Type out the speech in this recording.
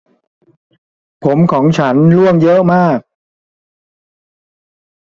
ผมของฉันร่วงเยอะมาก